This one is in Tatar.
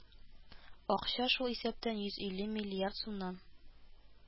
Акча, шул исәптән йөз илле миллиард сумнан